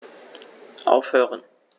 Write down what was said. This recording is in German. Aufhören.